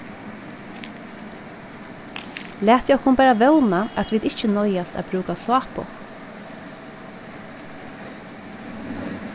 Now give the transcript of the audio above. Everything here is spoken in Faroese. latið okkum bara vóna at vit ikki noyðast at brúka sápu